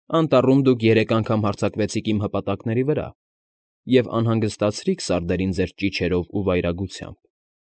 Անտառում դուք երեք անգամ հարձակվեցիք իմ հպատակաների վրա և անհանգստացրիք սարդերին ձեր ճիչերով ու վայրագությամբ։